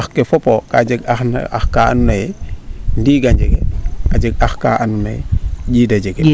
ax ke fopo kaa jeg ax ax kaa an nayee ndiinga njege a jeg ax kaa ando naye njinda jege